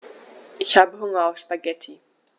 Ich habe Hunger auf Spaghetti.